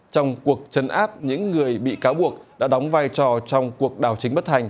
trong cuộc trấn áp những người bị cáo buộc đã đóng vai trò trong cuộc đảo chính bất thành